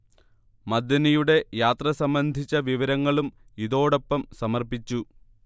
മഅ്ദനിയുടെ യാത്ര സംബന്ധിച്ച വിവരങ്ങളും ഇതോടൊപ്പം സമർപ്പിച്ചു